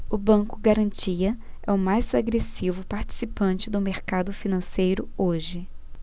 o banco garantia é o mais agressivo participante do mercado financeiro hoje